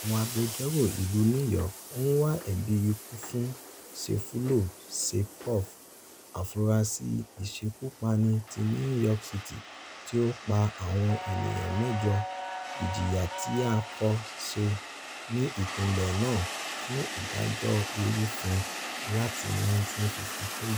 Àwọn agbẹjọrò ìlú New York ń wá ẹbi ikú fún Sayfullo Saipov, afurasí aṣekúpani ti New York City tí ó pa àwọn ènìyàn mẹjọ - -ìjìyà tí a kò ṣe ní Ìpínlẹ̀ náà fún ìdájọ́ ìrúfin láti 1953.